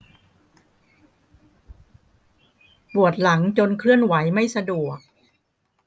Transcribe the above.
ปวดหลังจนเคลื่อนไหวไม่สะดวก